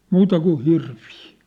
muuta kuin hirviä